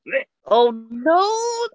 Oh no!